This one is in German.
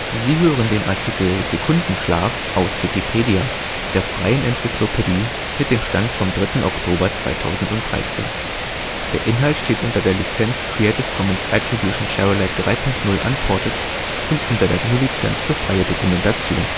Sie hören den Artikel Sekundenschlaf, aus Wikipedia, der freien Enzyklopädie. Mit dem Stand vom Der Inhalt steht unter der Lizenz Creative Commons Attribution Share Alike 3 Punkt 0 Unported und unter der GNU Lizenz für freie Dokumentation